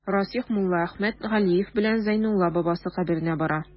Расих Муллаәхмәт Галиев белән Зәйнулла бабасы каберенә бара.